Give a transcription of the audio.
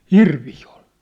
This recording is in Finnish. hirviä oli